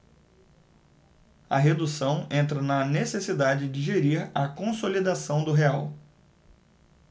a redução entra na necessidade de gerir a consolidação do real